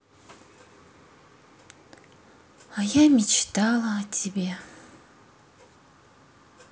а я мечтала о тебе